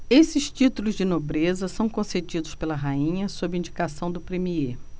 esses títulos de nobreza são concedidos pela rainha sob indicação do premiê